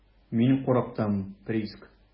Мин курыктым, Приск.